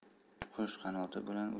qush qanoti bilan